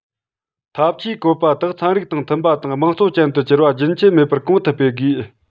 ཐབས ཇུས བཀོད པ དག ཚན རིག དང མཐུན པ དང དམངས གཙོ ཅན དུ འགྱུར བ རྒྱུན ཆད མེད པར གོང དུ སྤེལ དགོས